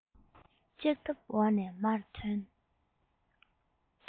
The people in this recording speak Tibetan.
ལྕག ཐབས འོག ནས མར ཐོན